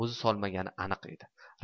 o'zi solmagani aniq edi